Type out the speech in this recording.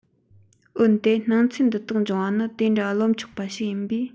འོན ཏེ སྣང ཚུལ འདི དག འབྱུང བ ནི དེ འདྲ རློམ ཆོག པ ཞིག ཡིན པས